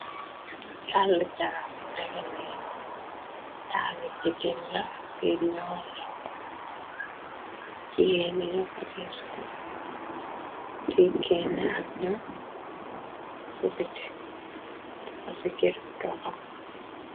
Dàlla charaq bu tegé nii, dàlla jigéen la bir ñoo xaxo. jigéen ño ko dey sol, tikkina al ñoo ci bite la ci gërbi toofa.